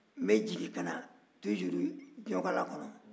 n bɛ jigin ka na tujuru jɔnkala kɔnɔ